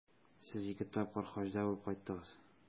Сез ике тапкыр Хаҗда булып кайттыгыз.